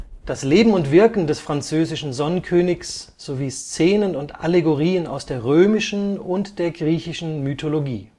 Das Leben und Wirken des französischen Sonnenkönigs sowie Szenen und Allegorien aus der Römischen und der Griechischen Mythologie